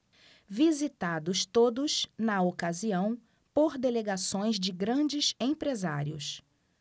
visitados todos na ocasião por delegações de grandes empresários